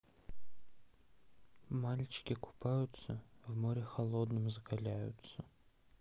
мальчики купаются в море холодном закаляются